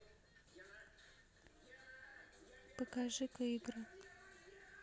покажи ка игры